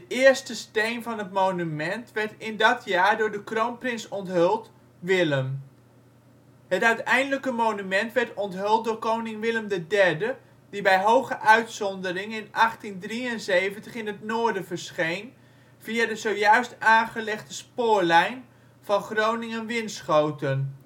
eerste steen van het monument werd in dat jaar door de kroonprins onthuld, Willem. Het uiteindelijke monument werd onthuld door koning Willem III, die bij hoge uitzondering in 1873 in het noorden verscheen, via de zojuist aangelegde (1868) spoorlijn van Groningen-Winschoten